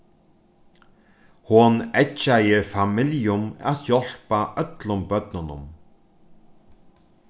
hon eggjaði familjum at hjálpa øllum børnunum